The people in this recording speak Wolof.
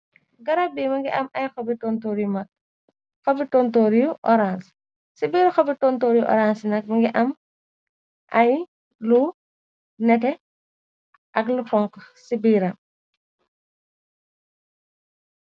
Garab bi mi ngi am ay xobi tontoor yu mag xobi tontor yu orance ci biir xobi tontoor yu orancei nak mi ngi am ay lu nete ak lu xonku ci biiram.